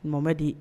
Mamamadi